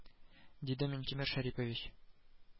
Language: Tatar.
Диде минтимер шәрипович